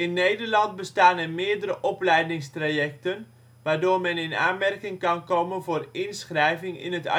Nederland bestaan er meerdere opleidingstrajecten waardoor men in aanmerking kan komen voor inschrijving in het